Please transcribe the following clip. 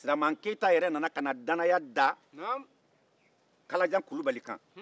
siraman keyita yɛrɛ nana ka na danaya da kalajan kulubali kan